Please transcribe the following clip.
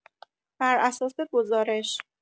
بر اساس گزارش